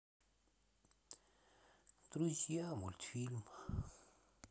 друзья мультфильм